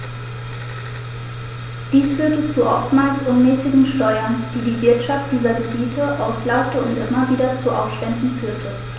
Dies führte zu oftmals unmäßigen Steuern, die die Wirtschaft dieser Gebiete auslaugte und immer wieder zu Aufständen führte.